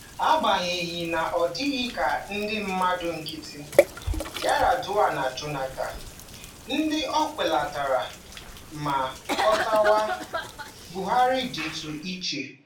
Agbanyeghị, na-adịghị ka ndị mmadụ nkịtị — Yar'Adua na Jonathan — ndị ọ kwalitere ma katọọkwa, Buhari dịtụ iche.